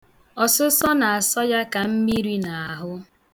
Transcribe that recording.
Ọsụsọ na-asọ ya ka mmiri n'ahụ.